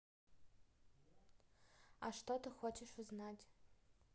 а что ты хочешь узнать